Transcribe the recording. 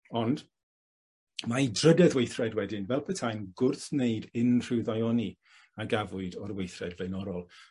Ond ma' 'i drydedd weithred wedyn fel petai'n gwrthwneud unrhyw ddaioni a gafwyd o'r weithred flaenorol.